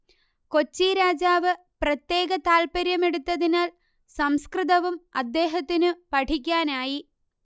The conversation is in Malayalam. കൊച്ചിരാജാവ് പ്രത്യേക താൽപര്യമെടൂത്തതിനാൽ സംസ്കൃതവും അദ്ദേഹത്തിനു പഠിക്കാനായി